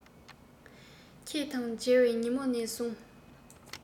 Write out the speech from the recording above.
ཁྱེད དང མཇལ བའི ཉིན མོ ནས བཟུང